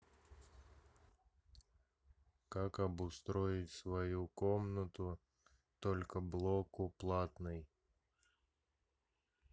как обустроить свою комнату только блоку платной